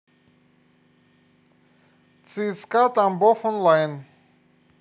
цска тамбов онлайн